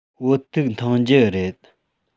བོད ཐུག འཐུང རྒྱུ རེད